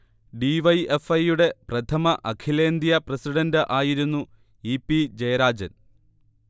D. Y. F. I. യുടെ പ്രഥമ അഖിലേന്ത്യാ പ്രസിഡണ്ട് ആയിരുന്നു ഇ. പി. ജയരാജൻ